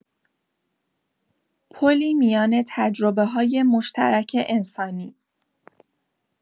پلی میان تجربه‌های مشترک انسانی.